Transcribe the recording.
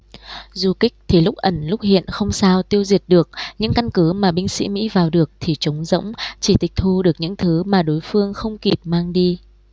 du kích thì lúc ẩn lúc hiện không sao tiêu diệt được những căn cứ mà binh sĩ mỹ vào được thì trống rỗng chỉ tịch thu được những thứ mà đối phương không kịp mang đi